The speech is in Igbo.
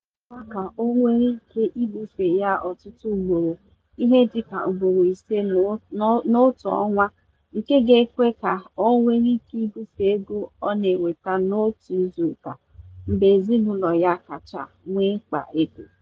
Ọrụ ahụ ga-emekwa ka o nwe ike ibufe ya ọtụtụ ugboro- ihe dị ka ugboro ise n'otu ọnwa - nke ga-ekwe ka o nwe ike ibufe ego ọ na-enweta n'otu izuụka mgbe ezinaụlọ ya kacha nwe mkpa ego.